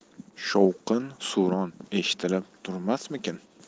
shovqin suron eshitilib turmasmikan